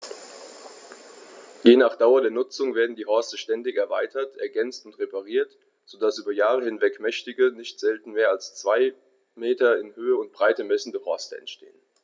Je nach Dauer der Nutzung werden die Horste ständig erweitert, ergänzt und repariert, so dass über Jahre hinweg mächtige, nicht selten mehr als zwei Meter in Höhe und Breite messende Horste entstehen.